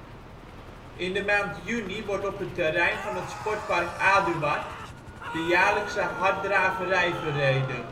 In de maand juni wordt op het terrein van het Sportpark Aduard de jaarlijkse harddraverij verreden